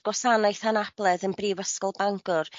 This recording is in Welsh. gwasanaeth anabledd yn brifysgol Bangor.